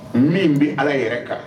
Min bɛ ala yɛrɛ kan